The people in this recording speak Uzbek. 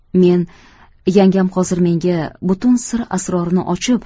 men yangam hozir menga butun sir asrorini ochib